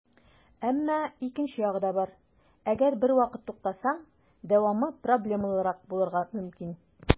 Әмма икенче ягы да бар - әгәр бервакыт туктасаң, дәвамы проблемалырак булырга мөмкин.